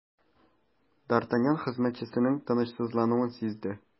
Д’Артаньян хезмәтчесенең тынычсызлануын сизде.